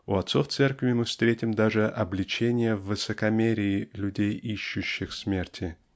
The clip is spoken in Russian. У отцов церкви мы встретим даже обличения в высокомерии людей, ищущих смерти.